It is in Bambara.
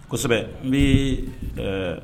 Kosɛbɛ n bɛ